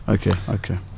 ok ok